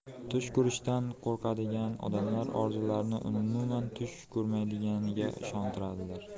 tush ko'rishdan qo'rqadigan odamlar o'zlarini umuman tush ko'rmayotganiga ishontiradilar